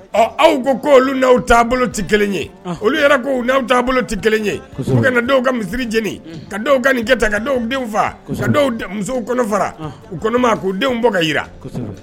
Ɔ aw ko ko olu naw taabolo bolo tɛ kelen ye olu yɛrɛ ko n'aw taaboloa tɛ ye ka misiri jeni ka ka nin kɛ ta ka denw denw faa musow kɔnɔ fara u kɔnɔma' denw bɔ ka yira